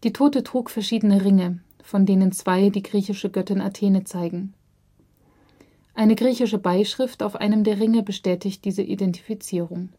Tote trug verschiedene Ringe, von denen zwei die griechische Göttin Athene zeigen. Eine griechische Beischrift auf einem der Ringe bestätigt diese Identifizierung